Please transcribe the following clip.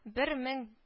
Бер мең